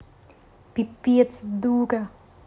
пипец дура